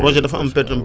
projet dafa am